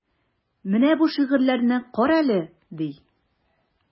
Менә бу шигырьләрне карале, ди.